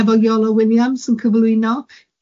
Hefo Iolo Williams yn cyflwyno.